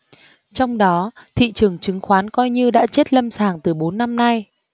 trong đó thị trường chứng khoán coi như đã chết lâm sàng từ bốn năm nay